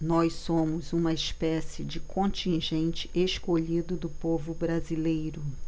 nós somos uma espécie de contingente escolhido do povo brasileiro